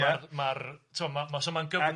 Ma'r ma'r timod ma' so ma'n gyfnod.